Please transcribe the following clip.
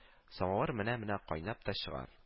Самавыр менә-менә кайнап та чыгар